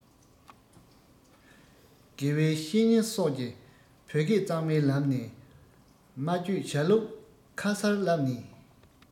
དགེ བའི བཤེས གཉེན སོགས ཀྱི བོད སྐད གཙང མའི ལམ ལས སྨྲ བརྗོད བྱ ལུགས ཁ གསལ བསླབ ནས